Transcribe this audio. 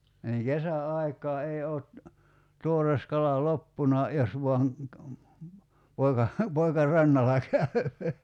niin kesäaikaan ei ole tuore kala loppunut jos vain poika poika rannalla käy